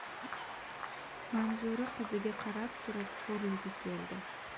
manzura qiziga qarab turib xo'rligi keldi